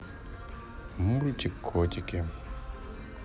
мультик котики